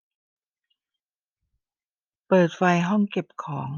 เปิดไฟห้องเก็บของ